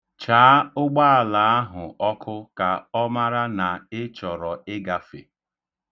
Chaa ụgbaala ahụ ọkụ ka ọ mara na ị chọrọ ịgafe.